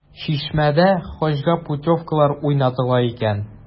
“чишмә”дә хаҗга путевкалар уйнатыла икән.